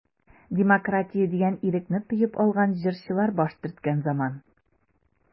Демократия дигән ирекне тоеп алган җырчылар баш төрткән заман.